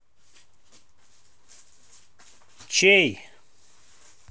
чей